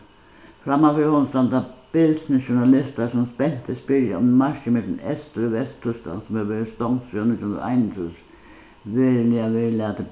framman fyri honum standa bilsnir journalistar sum spentir spyrja um markið millum eystur- og vesturtýskland sum hevur verið stongt síðani nítjan hundrað og einogtrýss veruliga verður latið